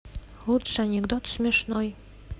лучший анекдот смешной